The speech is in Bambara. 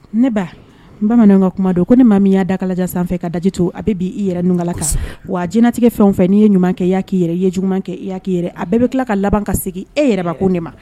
Ne ba bamanan ka kuma don ko ne ma min y' da kalajan sanfɛ ka daji to a bɛ b' i yɛrɛ nkala kan wa jinatigɛ fɛn o fɛ' ye ɲuman kɛ i ya kkii i ye ɲumanuma kɛ i y'kii a bɛɛ bɛ tila ka laban ka segin e yɛrɛ ko de ma